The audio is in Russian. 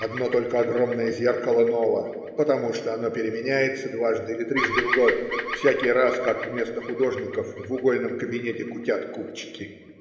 одно только огромное зеркало ново, потому что оно переменяется дважды или трижды в год, всякий раз, как вместо художников в угольном кабинете кутят купчики.